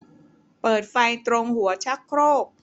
เปิดไฟตรงหัวชักโครก